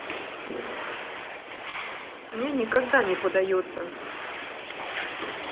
у меня никогда не подается